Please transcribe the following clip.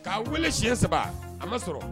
K'a weele siɲɛ saba a ma sɔrɔ